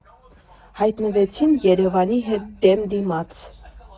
Հայտնվեցին Երևանի հետ դեմ դիմաց։